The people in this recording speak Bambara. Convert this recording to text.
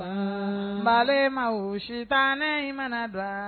San malo ma sitan ne i manabila